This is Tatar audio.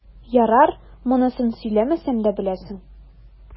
Ярар, монысын сөйләмәсәм дә беләсең.